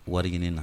Warik ne na